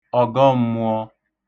ọ̀gọm̄mụ̄ọ̄